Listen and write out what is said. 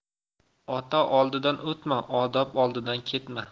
ota oldidan o'tma odob oldidan ketma